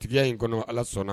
Tigiya in kɔnɔ ala sɔnna